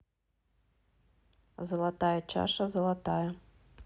золотая чаша золотая